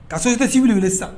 Ka société civile wele sisan.